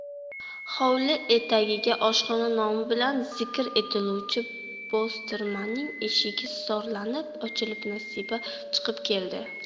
hovli etagida oshxona nomi bilan zikr etiluvchi bostirmaning eshigi zorlanib ochilib nasiba chiqib keldi